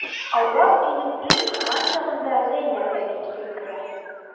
Аулак өйнең иң кызган чагында Зәйнәп әби килеп керә.